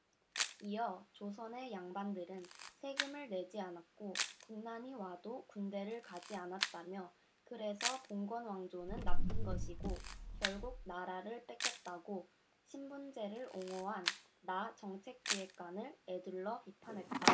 이어 조선의 양반들은 세금을 내지 않았고 국난이 와도 군대를 가지 않았다며 그래서 봉건왕조는 나쁜 것이고 결국 나라를 뺏겼다고 신분제를 옹호한 나 정책기획관을 에둘러 비판했다